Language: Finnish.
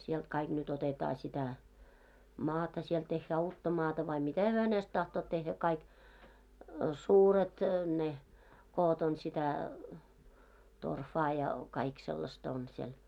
sieltä kaikki nyt otetaan sitä maata siellä tehdään uutta maata vai mitä he hänestä tahtovat tehdä kaikki suuret ne koot on sitä torfaa ja kaikki sellaista on siellä